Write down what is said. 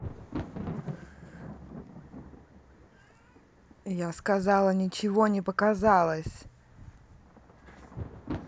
я сказала ничего не показалось